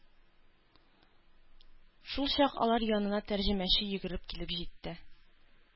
Шулчак алар янына тәрҗемәче йөгереп килеп җитте.